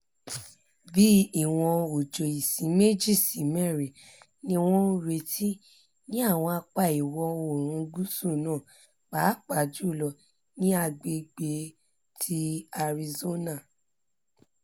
Bi ìwọ̀n òjò íǹsì 2 si 4 ni wọ́n ńretí ní àwọn apá Ìwọ-oòrùn Gúúsù náà, papàá jùlọ ní ọ̀pọ̀ agbègbè ti Arizona.